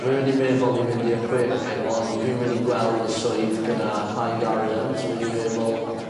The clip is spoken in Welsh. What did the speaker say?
myn' i meddwl i mynd i'r chweched ond fi myn' i gweld y swydd gyda Clyne Gardens yn myn' i meddwl